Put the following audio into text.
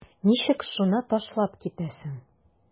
Ничек шуны ташлап китәсең?